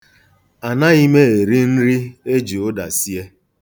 Anaghị m eri nri e ji ụda sie.